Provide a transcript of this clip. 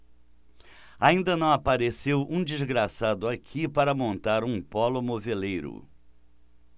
ainda não apareceu um desgraçado aqui para montar um pólo moveleiro